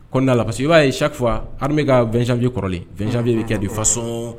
Kɔnɔ na parce que i b'a ye chaque fois armée ka 20 janvier kɔrɔlen 20 janvier bɛ kɛ de façon